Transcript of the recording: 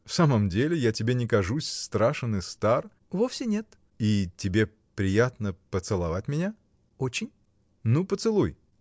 — В самом деле, я тебе не кажусь страшен и стар? — Вовсе нет. — И тебе приятно. поцеловать меня? — Очень. — Ну, поцелуй.